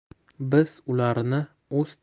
biz ularni o'z